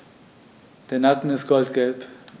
Der Nacken ist goldgelb.